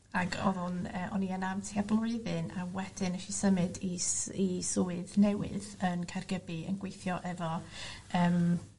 Ac o'dd o'n yy o'n i yna am tua blwyddyn a wedyn nesh i symud i s- i swydd newydd yn Caergybi yn gweithio efo yym